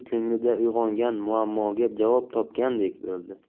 uyg'ongan muammoga javob topgandek bo'ldi